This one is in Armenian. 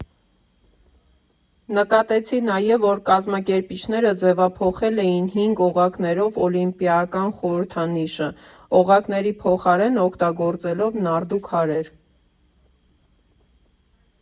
Նկատեցի նաև, որ կազմակերպիչները ձևափոխել էին հինգ օղակներով օլիմպիական խորհրդանիշը՝ օղակների փոխարեն օգտագործելով նարդու քարեր։